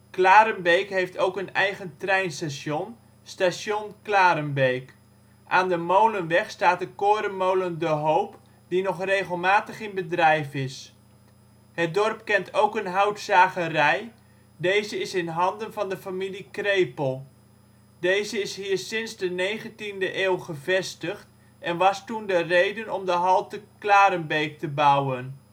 Klarenbeek heeft ook een eigen treinstation, station Klarenbeek. Aan de Molenweg staat de korenmolen De Hoop, die nog regelmatig in bedrijf is. Het dorp kent ook een houtzagerij, deze is in handen van de familie Krepel. Deze is hier sinds de 19e eeuw gevestigd en was toen de reden om de halte Klarenbeek te bouwen